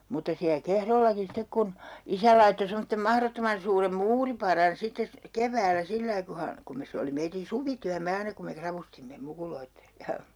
mutta siellä Kehrollakin sitten kun isä laittoi semmoisen mahdottoman suuren muuripadan sitten - keväällä sillä lailla kun hän kun me se oli meidän suvityömme aina kun me ravustimme mukuloiden